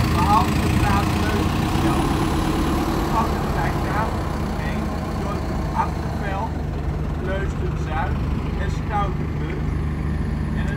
Behalve de plaats Leusden zelf, omvat de gelijknamige gemeente de dorpen Achterveld, Leusden-Zuid en Stoutenburg, en